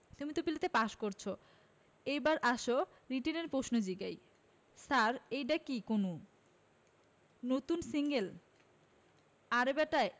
তুমি তো প্রিলিতে পাস করছ এইবার আসো রিটেনের প্রশ্ন জিগাই... ছার এইডা কি কুনো নতুন সিংগেল আরে ব্যাটা